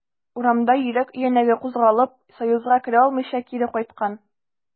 Урамда йөрәк өянәге кузгалып, союзга керә алмыйча, кире кайткан.